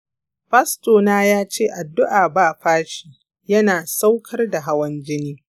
pastor na yace addu'a ba fashi yana saukar da hawan jini.